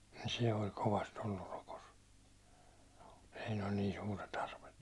niin se oli kovasti ollut rokossa siinä oli niin suuret arvet